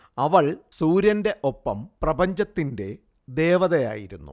അവൾ സൂര്യന്റെ ഒപ്പം പ്രപഞ്ചത്തിന്റെ ദേവതയായിരുന്നു